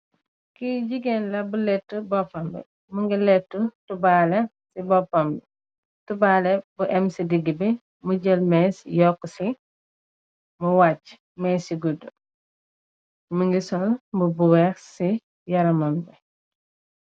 Ki gigeen la bu lèttu bópambi mugii lèttu timbale ci bópambi, timbale bu èm ci digih bi mu jél més yóku ci mu wacci, més yu guddu. Mugii sol mbubu mu wèèx ci yaram bi.